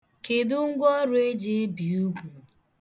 Kedu ngwaọrụ eji ebi ugwu?